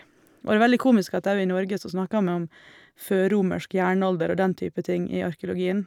Og det er veldig komisk at òg i Norge så snakker vi om førromersk jernalder og den type ting i arkeologien.